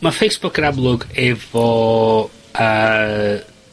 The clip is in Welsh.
ma' Facebook yn amlwg efo, yy